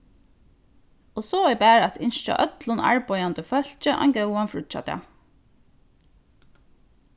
og so er bara at ynskja øllum arbeiðandi fólki ein góðan fríggjadag